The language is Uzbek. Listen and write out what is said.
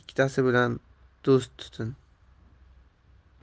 ikkitasi bilan do'st tutin